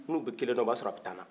ni u be kelendɔ o bɛ a sɔrɔ a bɛ tan na